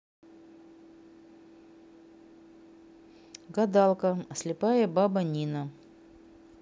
гадалка слепая баба нина